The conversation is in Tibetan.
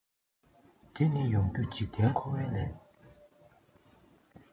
འདི ནི ཡོང རྒྱུ འཇིག རྟེན འཁོར བའི ལས